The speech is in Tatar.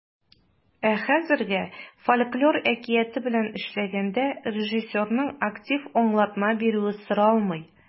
Ә хәзергә фольклор әкияте белән эшләгәндә режиссерның актив аңлатма бирүе соралмый.